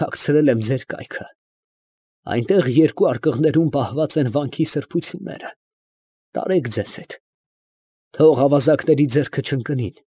Թաքցրել եմ ձեր կայքը, այնտեղ երկու արկղներում պահված են վանքի սրբությունները. տարեք ձեզ հետ, թող ավազակների ձեռքը չընկնին։